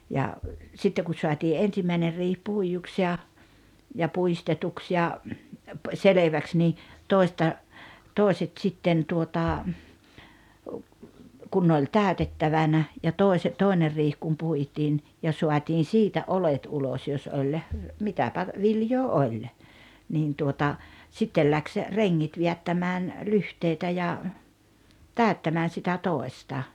ja sitten kun saatiin ensimmäinen riihi puiduksi ja ja puistetuksi ja selväksi niin toista toiset sitten tuota kun ne oli täytettävänä ja - toinen riihi kun puitiin ja saatiin siitä oljet ulos jos oli mitäpä viljaa oli niin tuota sitten lähti rengit vedättämään lyhteitä ja täyttämään sitä toista